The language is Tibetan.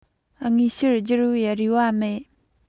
དངོས གཞིར བསྒྱུར བའི རེ བ མེད